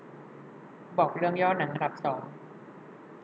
บอกเรื่องย่อหนังอันดับสอง